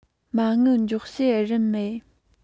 མ དངུལ འཇོག བྱེད རིན མེད